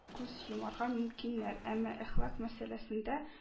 Күз йомарга мөмкиннәр, әмма әхлак мәсьәләсендә